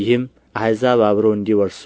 ይህም አሕዛብ አብረው እንዲወርሱ